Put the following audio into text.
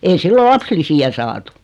ei silloin lapsilisiä saatu